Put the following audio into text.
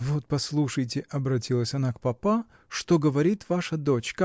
Вот послушайте, — обратилась она к папа, — что говорит ваша дочь.